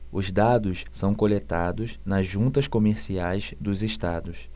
os dados são coletados nas juntas comerciais dos estados